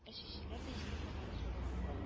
Әче җилләр дә исми калмады калуын